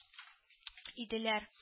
Иделәр